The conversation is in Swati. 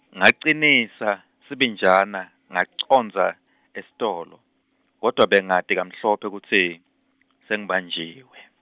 ngacinisa, sibinjana, ngacondza esitolo, kodvwa bengati kamhlophe kutsi, sengibanjiwe.